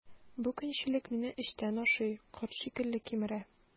Бу көнчелек мине эчтән ашый, корт шикелле кимерә.